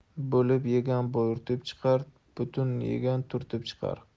bo'lib yegan bo'rtib chiqar butun yegan turtib chiqar